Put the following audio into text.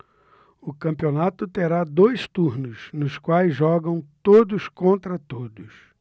o campeonato terá dois turnos nos quais jogam todos contra todos